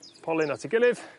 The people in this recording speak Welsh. polyn at 'i gilydd